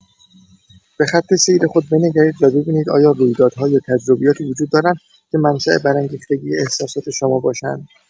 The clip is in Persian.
به‌خط سیر خود بنگرید و ببینید آیا رویدادها یا تجربیاتی وجود دارند که منشا برانگیختگی احساسات شما باشند.